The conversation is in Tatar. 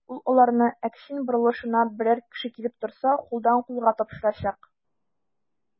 Ул аларны Әкчин борылышына берәр кеше килеп торса, кулдан-кулга тапшырачак.